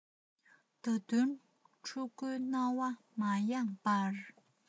ད དུང ཕྲུ གུའི སྣང བས མ རེངས པར